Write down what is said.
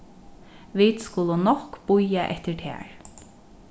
vit skulu nokk bíða eftir tær